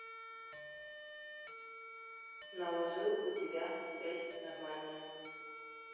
наложил у тебя связь нормальная